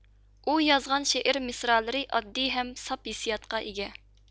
ئۇ يازغان شېئىر مىسرالىرى ئاددىي ھەم ساپ ھېسسىياتقا ئىگە